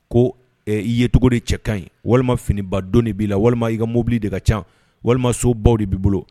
Ko & i yecogo de cɛ ka ɲi walima finibadon de b'i la walima i ka mobili de ka ca walima sobaw de b'i bolo